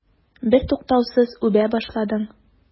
Бертуктаусыз үбә башладың.